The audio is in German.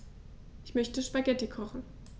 Ich möchte Spaghetti kochen.